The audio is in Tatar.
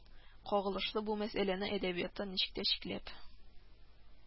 Кагылышлы бу мәсьәләне әдәбиятта ничек тә читләп